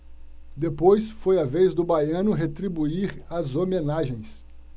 depois foi a vez do baiano retribuir as homenagens